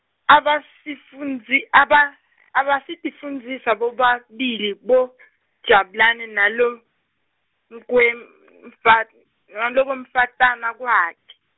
abasifundzi- aba- abasitifundziswa bobabili boJabulane nalo, mkwemfat- nalokwemfatana kwakhe.